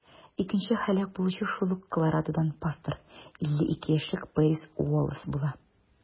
Икенче һәлак булучы шул ук Колорадодан пастор - 52 яшьлек Пэрис Уоллэс була.